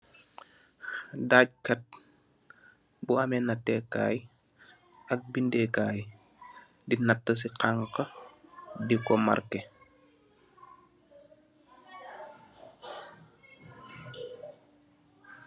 Dag kat bu ameh nateh kai ak bendeh kai nateh sii hfaka diko market.